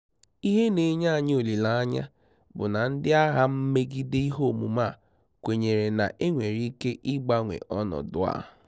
Ihe na-enye anyị olileanya bụ na ndị agha mmegide ihe omume a kwenyere na e nwere ike ịgbanwe ọnọdụ a.